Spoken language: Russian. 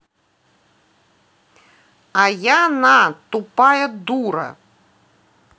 а я на тупая дура